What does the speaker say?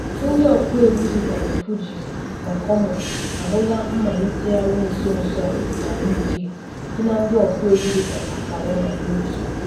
Ndị ọkụegwu dị ka The Fugees na Common ahụla mmalitegharị nso nso a na UK site na ndị ọkụegwu dị ka Akala na Lowkey.